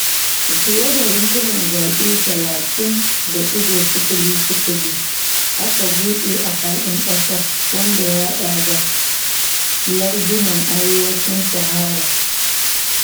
Fiye da rumfunan zaɓe 30.000 aka buɗe a faɗin ƙasar, wanda ya haɗa da lardunan Arewacin Sahara.